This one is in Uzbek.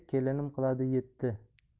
kelinim qiladi yetti